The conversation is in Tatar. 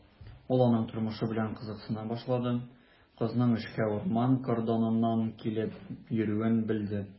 Ул аның тормышы белән кызыксына башлады, кызның эшкә урман кордоныннан килеп йөрүен белде.